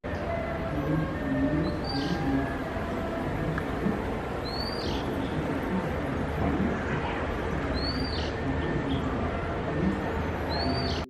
Meel nin iyo naag fadhiyaan naagta usoo horayso waxay wadataa maas barxad jaale iyo madow ah iyo cabaayad